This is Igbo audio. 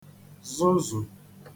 zụzù